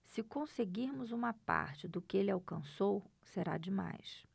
se conseguirmos uma parte do que ele alcançou será demais